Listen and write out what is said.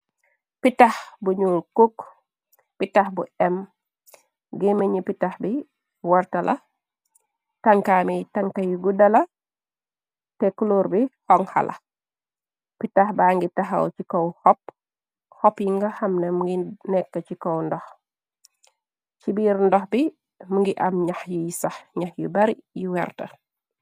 Pitax bu ñuul cook. Pitax bu m, gémé ñi pitax bi warta la tankaamiy tanka yu guddala, teh clor bi konxala. Pitax ba ngi taxaw ci kow xop, xop yi nga xamna mungi nekk ci kaw ndox, ci biir ndox bi mungi am ñax yiy sax ñax yu bari yi werta.